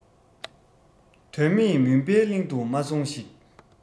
དོན མེད མུན པའི གླིང དུ མ སོང ཞིག